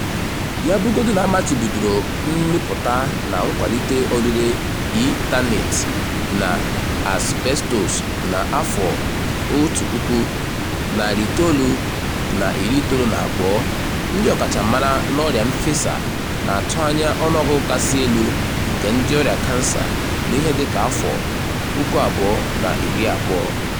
Ya bụrụgodu na a machibidoro mmịpụta na nkwalite orire Eternit na asbestos na 1992, ndị ọkachamara n'ọrịa nfesa na-atụ anya ọnụọgụgụ kasị elu nke ndị ọrịa kansa n'ihe dịka afọ 2020.